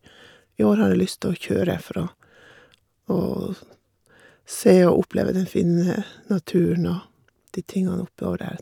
I år har jeg lyst å kjøre, for å å sn se og oppleve den fine naturen og de tingene oppover der.